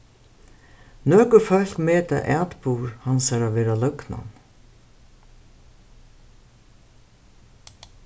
nøkur fólk meta atburð hansara vera løgnan